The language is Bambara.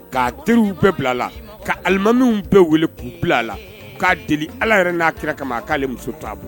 Ka teriw bɛɛ bila a la ka alimaw bɛɛ wele'u bila a la'a deli ala yɛrɛ n'a kira kama a k'aale muso t taaboloa bolo